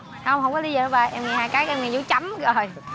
không không có lí do thứ ba em nghe hai cái em nghe dấu chấm rồi